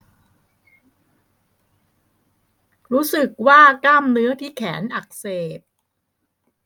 รู้สึกว่ากล้ามเนื้อที่แขนอักเสบ